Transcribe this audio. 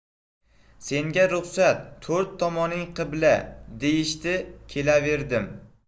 senga ruxsat to'rt tomoning qibla deyishdi kelaverdim